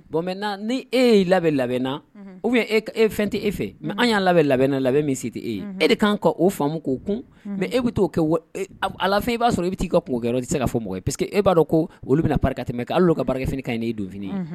Bon mɛ ni e y'i labɛn labɛnna o e e fɛn tɛ e fɛ mɛ an y'a labɛn labɛnna labɛn min si tɛ ee ye e de kan ka o famu k'o kun mɛ e bɛ t'o kɛ ala fɔ i b'a sɔrɔ i bɛ taa' ka mɔkɛ o tɛ se k' fɔ mɔgɔ ye pseke que e b' dɔn ko olu bɛna tɛmɛmɛ kɛ' ka baarakɛf ka ye' donf ye